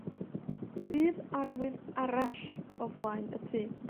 bydd arwydd arall o flaen y tŷ.